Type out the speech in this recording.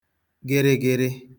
gịrịgịrị